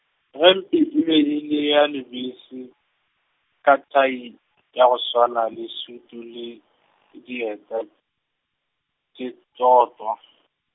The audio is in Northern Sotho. gempe e be e le ya lebese, ka thai , ya go swana le sutu le , dieta tše tsothwa.